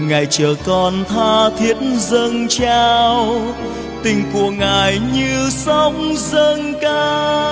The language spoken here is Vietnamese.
ngài chờ con tha thiết dâng trao tình của ngài như sóng dâng cao